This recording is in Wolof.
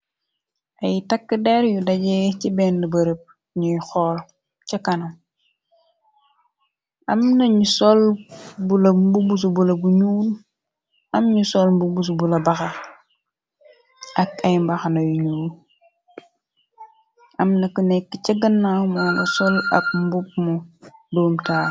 Ay takk deer yu dajee ci bend bërëb ñuy xool ca kanam am nañu sol bula mbu bus bula bu ñuul am ñu soll mbu bus bu la baxa ak ay mbaxana yu ñuul am na ko nekk cë gannaaw moona sol ab mbubmu doom taaw.